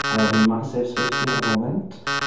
Fi'n massive Swiftie ar y foment.